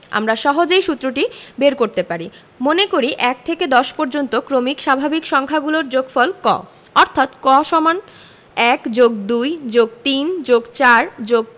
আমরা সহজেই সুত্রটি বের করতে পারি মনে করি ১ থেকে ১০ পর্যন্ত ক্রমিক স্বাভাবিক সংখ্যাগুলোর যোগফল ক অর্থাৎ ক = ১+২+৩+৪+